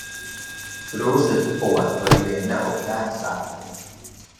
รู้สึกปวดบริเวณหน้าอกด้านซ้าย